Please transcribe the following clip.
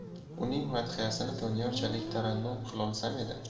uning madhiyasini doniyorchalik tarannum qilolsam edi